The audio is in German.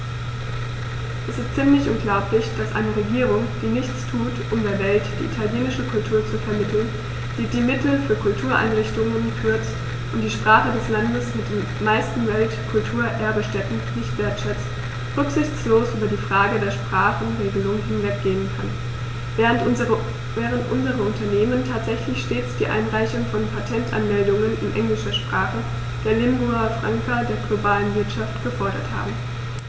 Es ist ziemlich unglaublich, dass eine Regierung, die nichts tut, um der Welt die italienische Kultur zu vermitteln, die die Mittel für Kultureinrichtungen kürzt und die Sprache des Landes mit den meisten Weltkulturerbe-Stätten nicht wertschätzt, rücksichtslos über die Frage der Sprachenregelung hinweggehen kann, während unsere Unternehmen tatsächlich stets die Einreichung von Patentanmeldungen in englischer Sprache, der Lingua Franca der globalen Wirtschaft, gefordert haben.